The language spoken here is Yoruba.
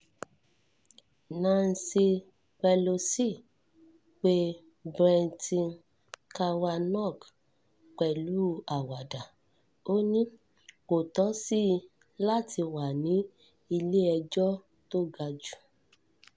Nancy Pelosi pe Brett Kavanaugh pẹ̀lú àwàdá, ó ní, kò tọ́ si i láti wà ní Ilé-ẹjọ́ tó gajù.